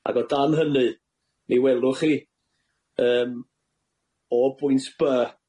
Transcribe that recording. Ag o dan hynny, mi welwch chi yym o bwynt By